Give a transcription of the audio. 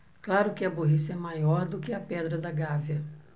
claro que a burrice é maior do que a pedra da gávea